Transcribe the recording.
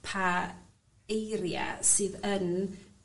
pa eiria' sydd yn